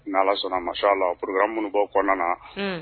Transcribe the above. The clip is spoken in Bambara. N' ala sɔnna masaya la pra munumbɔ kɔnɔna na